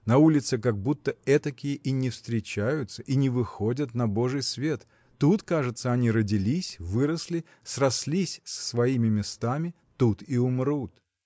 На улице как будто этакие и не встречаются и не выходят на божий свет тут кажется они родились выросли срослись с своими местами тут и умрут.